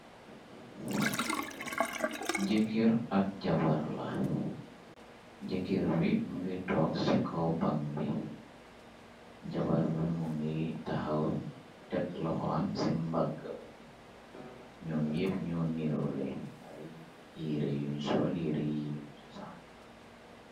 Jëkir ak jabar la jëkir bi mungi toog ci kaw bang bi jabar bi mu ngi taxaw teg loxo am ci mbagga bi ñoo mieb ñoo nirule ay yiiri yuñ sol yiiri-yiiri chusaan la.